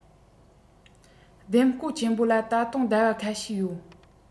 འདེམས བསྐོ ཆེན པོ ལ ད དུང ཟླ བ ཁ ཤས ཡོད